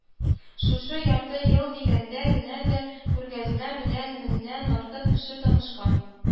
Шушы ярты ел дигәндә генә дә күргәзмә белән меңнән артык кеше танышкан